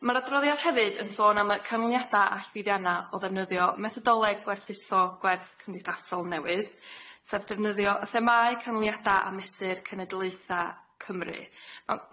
Ma'r adroddiad hefyd yn sôn am y canlyniada a llwyddianna o ddefnyddio methodoleg gwerthuso gwerth cymdeithasol newydd, sef defnyddio y themâu canlyniada a mesur cenedlaetha Cymru.